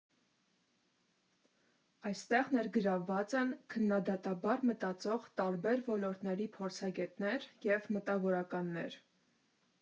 Այստեղ ներգրավված են քննադատաբար մտածող տարբեր ոլորտների փորձագետներ և մտավորականներ։